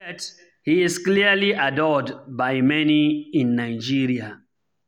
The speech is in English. Yet, he is clearly adored by many in Nigeria.